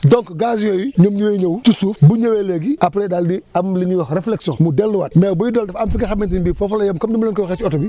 donc gaz yooyu ñoom ñooy ñëw ci suuf bu ñu ñëwee léegi après daal di am lu ñuy wax réflexion mu delluwaat mais by dellu dafa am fi nga xamante ne bii foofu la yem comme ni ma leen ko waxee ci oto bi